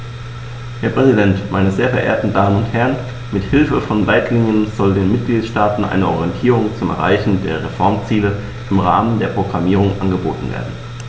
Herr Präsident, meine sehr verehrten Damen und Herren, mit Hilfe von Leitlinien soll den Mitgliedstaaten eine Orientierung zum Erreichen der Reformziele im Rahmen der Programmierung angeboten werden.